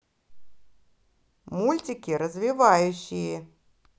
мультики развивающие